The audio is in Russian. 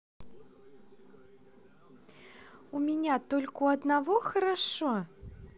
у меня только у одного хорошо